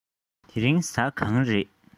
དེ རིང གཟའ གང རས